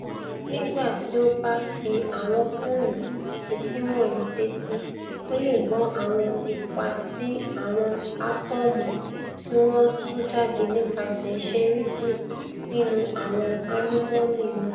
nígbà tí o báfi àwọn fóònù ètí wọ̀nyí sétí, o leè gbọ́ àwọn ipa ti àwọn átọ́ọ́mù tíwọ́n tú jáde nípaṣẹ̀ iṣẹ́ rédíò nínú àwọn àlùmọ́ọ̀nì náà.''